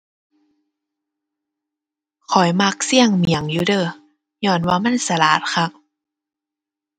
ข้อยมักเซียงเมี่ยงอยู่เด้อ ญ้อนว่ามันฉลาดคัก